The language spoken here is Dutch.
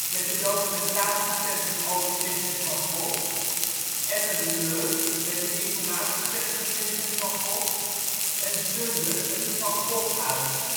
met het documentatie-centrum over Vincent van Gogh Etten-Leur, met het Informatie-centrum Vincent van Gogh Zundert, Van Goghhuis